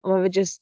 Ond ma' fe jyst...